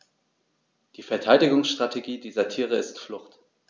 Die Verteidigungsstrategie dieser Tiere ist Flucht.